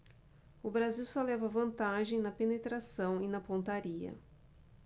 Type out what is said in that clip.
o brasil só leva vantagem na penetração e na pontaria